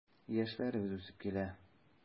Яшьләребез үсеп килә.